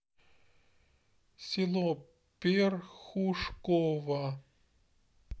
село перхушково